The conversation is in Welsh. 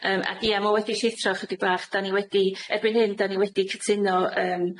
Yym, ac ia, ma' wedi llithro ychydig bach. 'Dan ni wedi... Erbyn hyn, 'dan ni wedi cytuno yym